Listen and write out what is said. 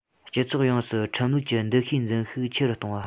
སྤྱི ཚོགས ཡོངས སུ ཁྲིམས ལུགས ཀྱི འདུ ཤེས འཛིན ཤུགས ཆེ རུ གཏོང བ